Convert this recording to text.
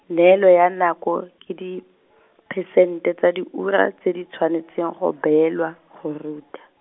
neelo ya nako, ke diphesente tsa diura, tse di tshwanetseng go beelwa, go ruta.